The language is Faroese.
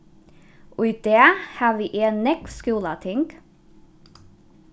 í dag havi eg nógv skúlating